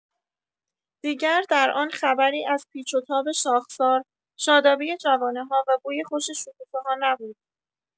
دیگر در آن خبری از پیچ و تاب شاخسار، شادابی جوانه‌ها و بوی خوش شکوفه‌ها نبود.